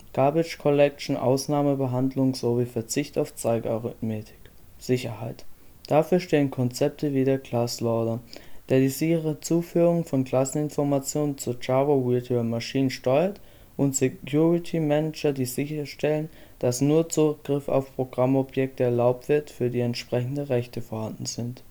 Garbage Collection, Ausnahmebehandlung sowie Verzicht auf Zeigerarithmetik. Sicherheit Dafür stehen Konzepte wie der Class-Loader, der die sichere Zuführung von Klasseninformationen zur Java Virtual Machine steuert und Security-Manager, die sicherstellen, dass nur Zugriff auf Programmobjekte erlaubt wird, für die entsprechende Rechte vorhanden sind